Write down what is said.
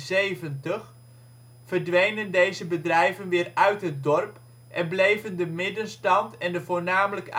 1960 en 1970 verdwenen deze bedrijven weer uit het dorp en bleven de middenstand en de voornamelijk